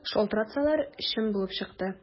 Шалтыратсалар, чын булып чыкты.